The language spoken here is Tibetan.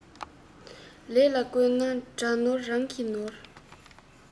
ལས ལ བཀོད ན དགྲ ནོར རང གི ནོར